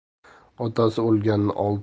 otasi o'lgan olti kun